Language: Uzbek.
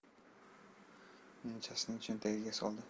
nimchasining cho'ntagiga soldi